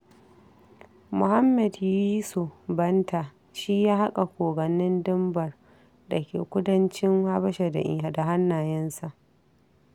Mohammed Yiso Bantah shi ya haƙa Kogwannin Dunbar da ke kudancin Habasha da hannayensa.